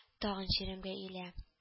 Тагын чирәмгә иелә